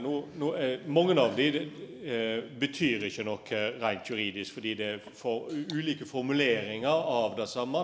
no no mange av dei betyr ikkje noko reint juridisk fordi det ulike formuleringar av det same.